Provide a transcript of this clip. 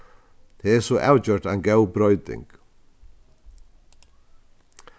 tað er so avgjørt ein góð broyting